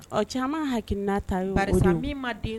Ɔ caman hakiliina ta ye karisa bi ma den